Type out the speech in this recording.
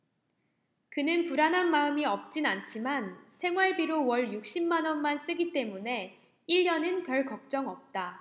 그는 불안한 마음이 없진 않지만 생활비로 월 육십 만원만 쓰기 때문에 일 년은 별걱정 없다